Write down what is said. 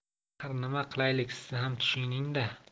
axir nima qilaylik siz ham tushuning da